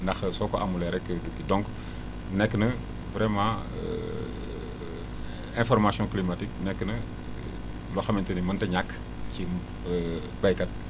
ndax soo ko amulee rek du kii donc nekk na vraiment information climatique nekk na loo xamante ni mënta ñàkk ci béykat